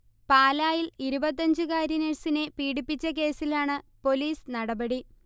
പാലായിൽ ഇരുപത്തഞ്ചുകാരി നഴ്സിനെ പീഡിപ്പിച്ച കേസിലാണ് പൊലീസ് നടപടി